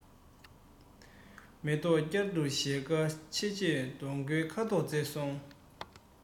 མེ ཏོག བསྐྱར དུ ཞལ ཁ ཕྱེ རྗེས སྡོང ལོའི ཁ དོག བརྗེས སོང